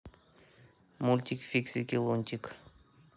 мультики фиксики лунтик